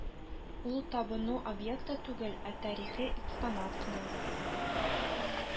Ул табыну объекты түгел, ә тарихи экспонат кына